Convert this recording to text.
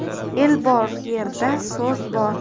el bor yerda so'z bor